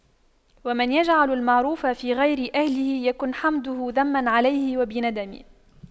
ومن يجعل المعروف في غير أهله يكن حمده ذما عليه ويندم